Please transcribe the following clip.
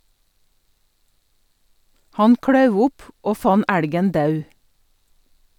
Han klauv opp og fann elgen daud.